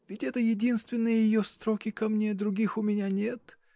— Ведь это единственные ее строки ко мне: других у меня нет.